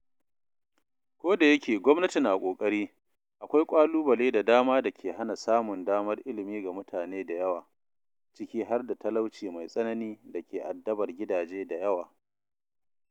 Ko da yake gwamnati na ƙoƙari, akwai ƙalubale da dama da ke hana samun damar ilimi ga mutane da yawa, ciki har da talauci mai tsanani da ke addabar gidaje da yawa.